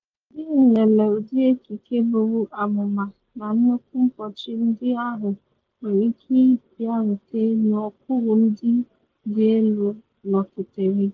Ndị nlele ụdị ekike buru amụma na nnukwu mkpuchi ndị ahụ nwere ike ịbịarute n’okporo ndị dị elu nọketere gi.